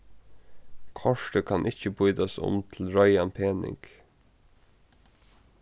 kortið kann ikki býtast um til reiðan pening